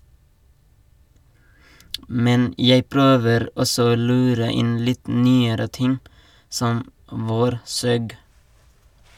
Men jeg prøver også å lure inn litt nyere ting, som "Vårsøg".